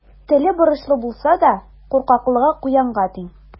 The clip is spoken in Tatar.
Теле борычлы булса да, куркаклыгы куянга тиң.